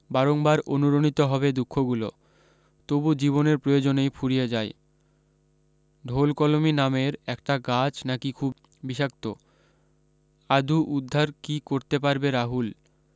বারংবার অনুরণিত হবে দুখগুলো তবু জীবনের প্রয়োজনেই ফুরিয়ে যায় ঢোলকলমি নামের একটা গাছ নাকি খুব বিষাক্ত আদু উদ্ধার কী করতে পারবে রাহুল